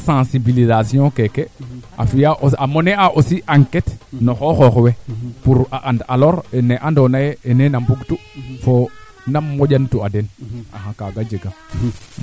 boya ando naye an ka tiro exactement nan waro jalit keene a refa kaa ando naye ana mbekaa in probleme maak Djiby saxo laaga